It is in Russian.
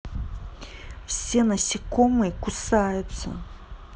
все насекомые кусаются